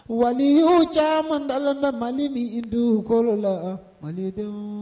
Wa o camanda mali ni i dukolo la mali denw